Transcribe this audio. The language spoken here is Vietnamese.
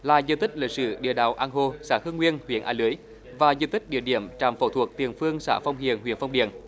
là di tích lịch sử địa đạo ăng hô xã hưng nguyên huyện a lưới và diện tích địa điểm trạm phẫu thuật tiền phương xã phong hiền huyện phong điền